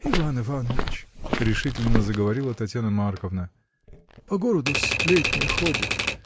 — Иван Иванович, — решительно заговорила Татьяна Марковна, — по городу сплетня ходит.